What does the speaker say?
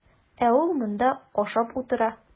Ә ул монда ашап утыра.